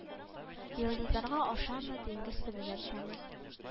Йолдызларга ашамы диңгез төбенә төшәме